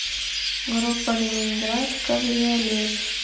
группа ленинград кабриолет